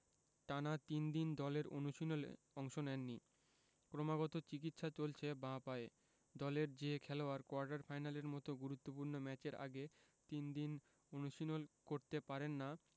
টানা তিন দিন দলের অনুশীলনে অংশ নেননি ক্রমাগত চিকিৎসা চলছে বাঁ পায়ে দলের যে খেলোয়াড় কোয়ার্টার ফাইনালের মতো গুরুত্বপূর্ণ ম্যাচের আগে তিন দিন অনুশীলন করতে পারেন না